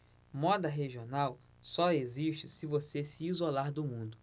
moda regional só existe se você se isolar do mundo